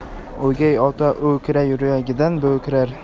o'gay ota o'kirar yuragidan bo'kirar